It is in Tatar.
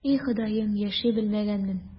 И, Ходаем, яши белмәгәнмен...